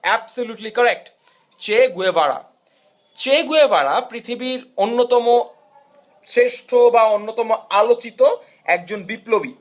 absolutely correct Che Guevara Che Guevara পৃথিবীর অন্যতম শ্রেষ্ঠ বা অন্যতম আলোচিত একজন বিপ্লবী